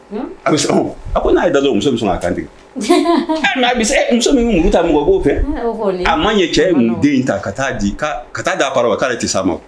Hum, a bɛ a ko n'a ye muso bɛ sɔn ka kan tigɛ a bɛ se muso min bɛ muru ta, mɔgɔ b'o fɛ a maɲɛ cɛ ye den ta, ka taa di a parent k'ale tɛ se a ma